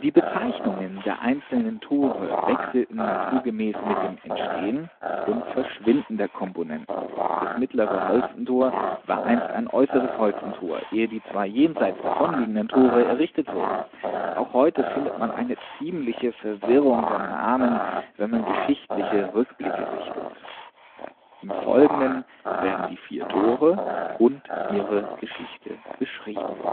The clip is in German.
Bezeichnungen der einzelnen Tore wechselten naturgemäß mit dem Entstehen und Verschwinden der Komponenten. Das Mittlere Holstentor war einst ein Äußeres Holstentor, ehe die zwei jenseits davon liegenden Tore errichtet wurden. Auch heute findet man eine ziemliche Verwirrung der Namen, wenn man geschichtliche Rückblicke sichtet. Im folgenden werden die vier Tore und ihre Geschichte beschrieben